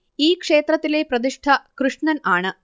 ഈ ക്ഷേത്രത്തിലെ പ്രതിഷ്ഠ കൃഷ്ണൻ ആണ്